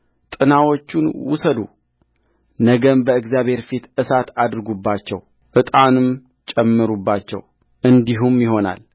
ጥናዎቹን ውሰዱነገም በእግዚአብሔር ፊት እሳት አድርጉባቸው ዕጣንም ጨምሩባቸው እንዲህም ይሆናል